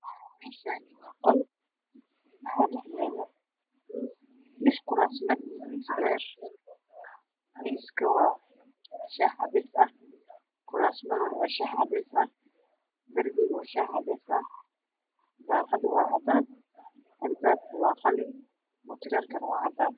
Mashan waa qol waxaa dhxyalo lax kurasman iyo mis kalar kode waa shxcadees darbiga waa sahcadees daqda waa cadan albabka waa qalin mutalelk waa cadan